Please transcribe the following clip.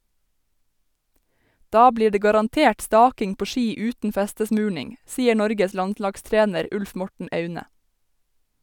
Da blir det garantert staking på ski uten festesmurning, sier Norges landslagstrener Ulf Morten Aune.